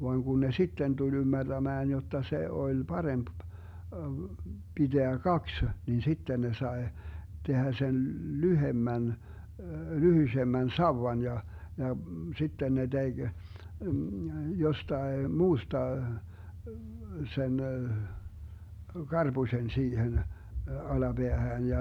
vaan kun ne sitten tuli ymmärtämään jotta se oli parempi pitää kaksi niin sitten ne sai tehdä sen lyhyemmän lyhyisemmän sauvan ja ja sitten ne teki jostakin muusta sen karpusen siihen alapäähän ja